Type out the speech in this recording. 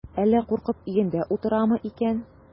Әллә куркып өендә утырамы икән?